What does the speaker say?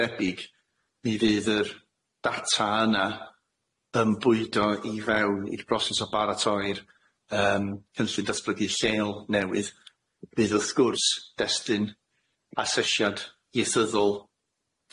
debyg mi fydd yr data yna yn bwydo i fewn i'r broses o baratoi'r yym cynllun datblygu lleol newydd fydd wrth gwrs destun asesiad ieithyddol